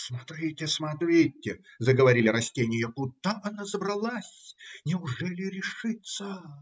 – Смотрите, смотрите, – заговорили растения, – куда она забралась! Неужели решится?